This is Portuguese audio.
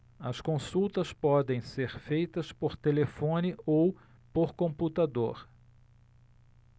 as consultas podem ser feitas por telefone ou por computador